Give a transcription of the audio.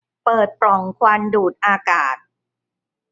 เปิดปล่องควันดูดอากาศ